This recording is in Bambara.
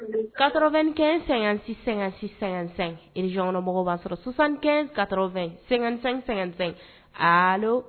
95 56 56 55 région kɔnɔmɔgɔ b'an sɔrɔ 75 80 55 55 allo